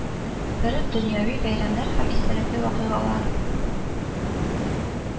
Бер дөньяви бәйрәмнәр һәм истәлекле вакыйгалар